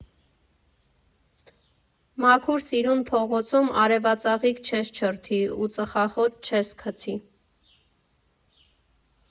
Մաքուր, սիրուն փողոցում արևածաղիկ չես չրթի ու ծխախոտ չես գցի։